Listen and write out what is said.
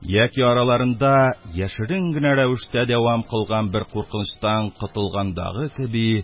Яки араларында яшерен генә рәвештә дәвам кылган бер куркынычтан котылгандагы кеби